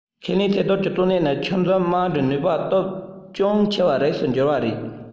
ཁས ལེན ཚད བསྡུར གྱི གཙོ གནད ནི ཆུ འཛུལ དམག གྲུའི ནུས པ སྟོབས ཅུང ཆེ བའི རིགས སུ གྱུར བ རེད